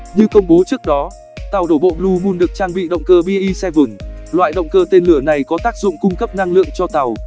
như công bố trước đó tàu đổ bộ blue moon được trang bị động cơ be loại động cơ tên lửa này có tác dụng cung cấp năng lượng cho tàu